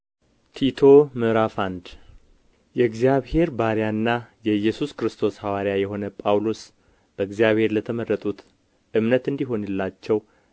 ቲቶ ምዕራፍ አንድ የእግዚአብሔር ባሪያና የኢየሱስ ክርስቶስ ሐዋርያ የሆነ ጳውሎስ በእግዚአብሔር ለተመረጡት እምነት እንዲሆንላቸው